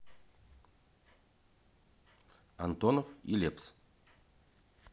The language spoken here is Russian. антонов и лепс